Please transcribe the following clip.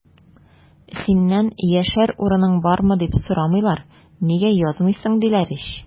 Синнән яшәр урының бармы, дип сорамыйлар, нигә язмыйсың, диләр ич!